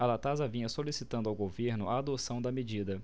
a latasa vinha solicitando ao governo a adoção da medida